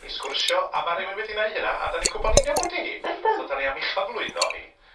i sgwrsio a ma' rywun wedi neu' hyna a 'dan ni'n gwbo 'n union pwy 'di hi. Yndan. So 'dan ni am ei chyflwyno hi.